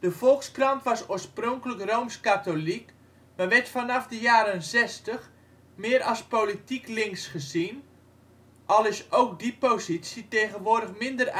Volkskrant was oorspronkelijk rooms-katholiek, maar werd vanaf de jaren zestig meer als politiek links gezien, al is ook die positie tegenwoordig minder